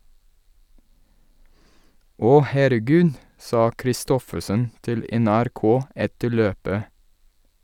Åh herregud , sa Kristoffersen til NRK etter løpet.